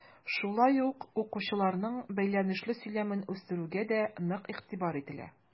Шулай ук укучыларның бәйләнешле сөйләмен үстерүгә дә нык игътибар ителә.